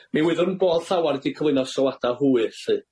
Mi wyddwn bod llawer wedi cyflwyno sylwada' hwyr lly.